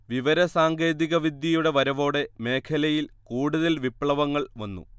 വിവരസാങ്കേതികവിദ്യയുടെ വരവോടെ മേഖലയിൽ കൂടുതൽ വിപ്ലവങ്ങൾ വന്നു